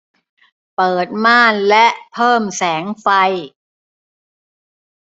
เปิดม่านและเพิ่มแสงไฟ